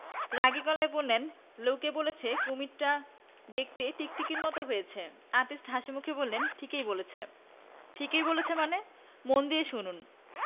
রাগী গলায় বললেন লোকে বলছে কুমীরটা দেখতে টিকটিকির মত হয়েছে আর্টিস্ট হাসিমুখে বললেন ঠিকই বলছে ‘ঠিকই বলছে মানে মন দিয়ে শুনুন